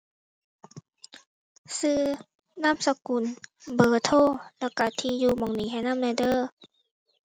ชื่อ นามสกุล เบอร์โทร แล้วชื่อที่อยู่หม้องนี้ให้นำแหน่เด้อ